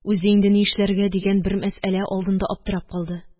Үзе «инде ни эшләргә?» дигән бер мәсьәлә алдында аптырап калды